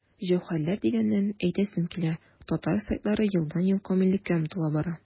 Җәүһәрләр дигәннән, әйтәсем килә, татар сайтлары елдан-ел камиллеккә омтыла бара.